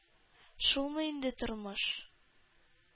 Шулмы инде тормыш!